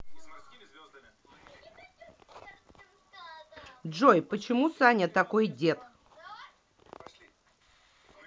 джой почему саня такой дед